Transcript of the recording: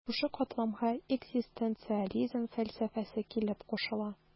Шушы катламга экзистенциализм фәлсәфәсе килеп кушыла.